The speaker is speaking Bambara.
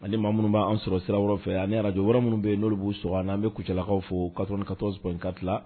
Ani maa minnu b'an sɔrɔ sira yɔrɔ fɛ ani arajo yɔrɔ minnu bɛ n'olu b'u sɔrɔ an'an bɛ Kucalakaw fo 94.4 la